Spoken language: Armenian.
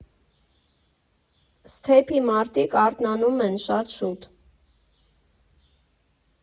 Ստեփի մարդիկ արթնանում են շատ շուտ.